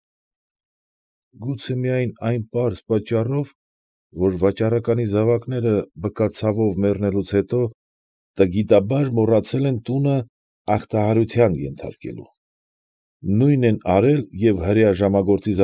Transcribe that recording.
Գուցե միայն այն պարզ պատճառով, որ վաճառականի զավակները բկացավով մեռնելուց հետո, տգիտաբար մոռացել են տունը ախտահանության ենթարկելու, նույնն են արել և հրեա ժամագործի։